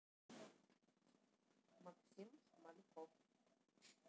максим мальков